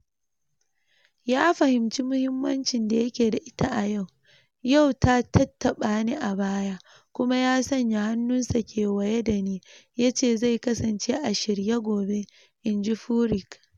"Ya fahimci muhimmancin da yake da ita a yau, ya tattaɓani a baya kuma ya sanya hannunsa kewaye da ni, ya ce zai kasance a shirye gobe," inji Furyk.